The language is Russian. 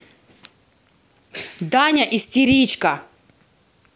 даня истеричка